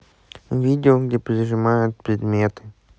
видео где прижимают предметы